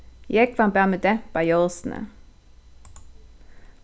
jógvan bað meg dempa ljósini